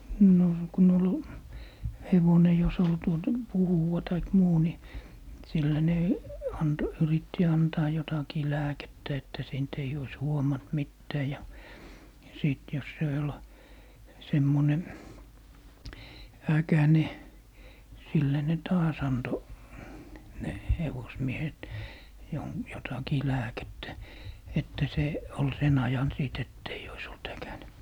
no kun oli hevonen jos oli tuota puhuva tai muu niin sillä ne - yritti antaa jotakin lääkettä että siitä ei olisi huomannut mitään ja sitten jos se oli semmoinen äkäinen sillä ne taas antoi ne hevosmiehet - jotakin lääkettä että se oli sen ajan sitten että ei olisi ollut äkäinen